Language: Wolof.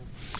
dóomu taal